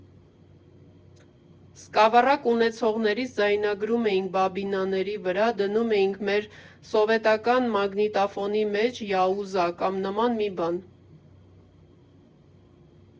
Սկավառակ ունեցողներից ձայնագրում էինք բաբինաների վրա, դնում էինք մեր սովետական մագնիտոֆոնի մեջ՝ «Յաուզա» կամ նման մի բան։